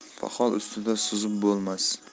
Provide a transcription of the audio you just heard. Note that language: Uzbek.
poxol ustida suzib bo'lmas